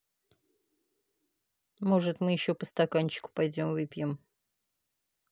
может мы еще по стаканчику пойдем выпьем